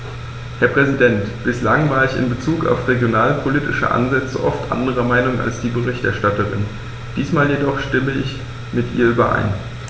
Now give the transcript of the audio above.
Herr Präsident, bislang war ich in Bezug auf regionalpolitische Ansätze oft anderer Meinung als die Berichterstatterin, diesmal jedoch stimme ich mit ihr überein.